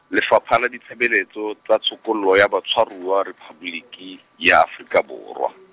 Lefapha la Ditshebeletso tsa Tshokollo ya Batshwaruwa Rephaboliki, ya Afrika Borwa.